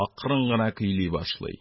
Акрын гына көйли башлый.